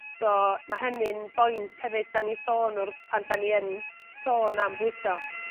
so ma' hynny'n boint hefyd 'dan ni sôn wrth pan 'dan ni yn sôn am fwydo.